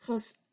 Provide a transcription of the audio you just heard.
'chos